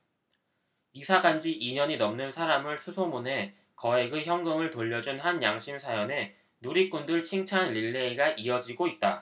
이사 간지 이 년이 넘는 사람을 수소문해 거액의 현금을 돌려준 한 양심 사연에 누리꾼들 칭찬릴레이가 이어지고 있다